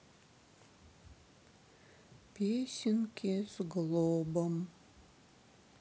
песенки с глобом